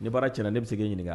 Ne bɔra cɛɲɛna na ne bɛ segin ɲini